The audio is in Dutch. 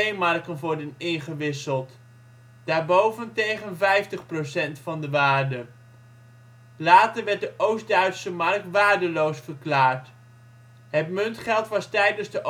D-Marken worden ingewisseld, daarboven tegen 50 procent van de waarde. Later werd de Oost-Duitse Mark waardeloos verklaard. Het muntgeld was tijdens de